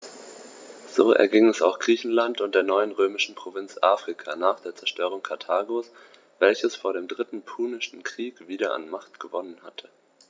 So erging es auch Griechenland und der neuen römischen Provinz Afrika nach der Zerstörung Karthagos, welches vor dem Dritten Punischen Krieg wieder an Macht gewonnen hatte.